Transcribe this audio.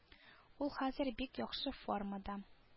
Ул хәзер бик яхшы формада